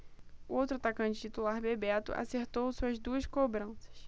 o outro atacante titular bebeto acertou suas duas cobranças